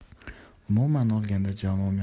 umuman olganda jamoam